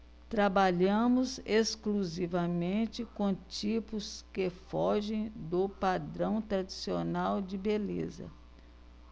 trabalhamos exclusivamente com tipos que fogem do padrão tradicional de beleza